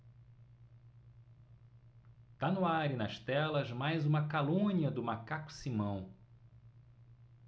tá no ar e nas telas mais uma calúnia do macaco simão